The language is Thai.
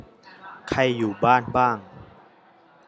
ใครอยู่บ้านบ้าง